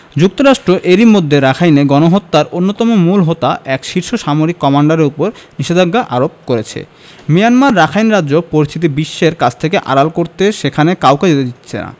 যুক্তরাষ্ট্র এরই মধ্যে রাখাইনে গণহত্যার অন্যতম মূল হোতা এক শীর্ষ সামরিক কমান্ডারের ওপর নিষেধাজ্ঞা আরোপ করেছে মিয়ানমার রাখাইন রাজ্য পরিস্থিতি বিশ্বের কাছ থেকে আড়াল করতে সেখানে কাউকে যেতে দিচ্ছে না